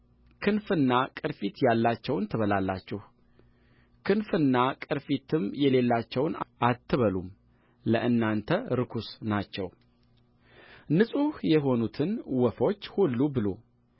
ክንፍና ቅርፊት ያላቸውን ትበላላችሁ ክንፍና ቅርፊትም የሌላቸውን አትበሉም ለእናንተ ርኩስ ናቸው ንጹሕ የሆኑትን ወፎች ሁሉ ብሉ